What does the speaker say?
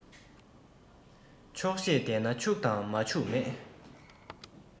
ཆོག ཤེས ལྡན ན ཕྱུག དང མ ཕྱུག མེད